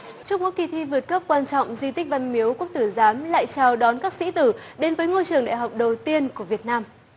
trước mỗi kỳ thi vượt cấp quan trọng di tích văn miếu quốc tử giám lại chào đón các sĩ tử đến với ngôi trường đại học đầu tiên của việt nam